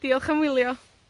Diolch am wylio.